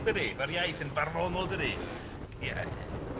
tydi ma'r iaith yn barddonol dydi? Yndi. Ia yy...